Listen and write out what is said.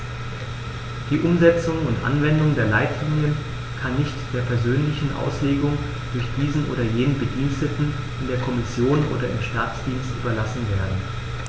Die Umsetzung und Anwendung der Leitlinien kann nicht der persönlichen Auslegung durch diesen oder jenen Bediensteten in der Kommission oder im Staatsdienst überlassen werden.